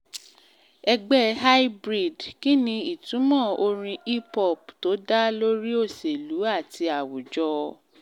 Ẹgbẹ́ High Breed Kí ni ìtumọ̀ orin hip hop tó dá lórí òṣèlú àti àwùjọ?